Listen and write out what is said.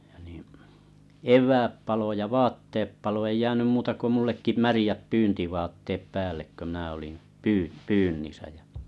ja niin eväät paloi ja vaatteet paloi ei jäänyt muuta kuin minullekin märät pyyntivaatteet päälle kun minä olin - pyynnissä ja